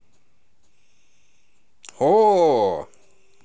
ооо